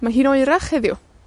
Ma' hi'n oerach heddiw.